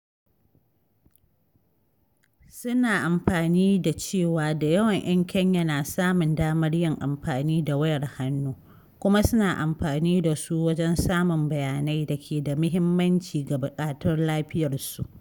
Suna amfani da cewa da yawan ‘yan Kenya na samun damar yin amfani da wayar hannu, kuma suna amfani da su wajen samun bayanai da ke da muhimmanci ga buƙatun lafiyarsu.